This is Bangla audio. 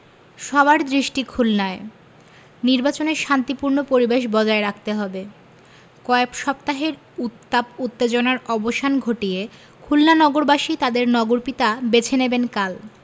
সবার দৃষ্টি খুলনায় নির্বাচনে শান্তিপূর্ণ পরিবেশ বজায় রাখতে হবে কয়েক সপ্তাহের উত্তাপ উত্তেজনার অবসান ঘটিয়ে খুলনা নগরবাসী তাঁদের নগরপিতা বেছে নেবেন কাল